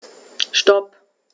Stop.